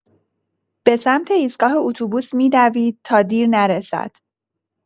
به سمت ایستگاه اتوبوس می‌دوید تا دیر نرسد.